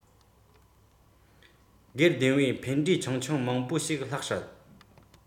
འདས ཟིན པའི ལོ རྒྱུས ཐོག བྱུང བའི གནད དོན བྱུང བ ཁོ ཐག ཡིན